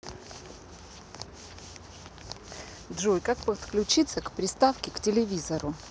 джой как подключиться к приставке к телевизору